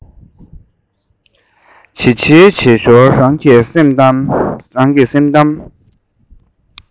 བྱིལ བྱིལ བྱེད ཞོར རང གི སེམས གཏམ